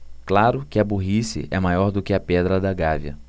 claro que a burrice é maior do que a pedra da gávea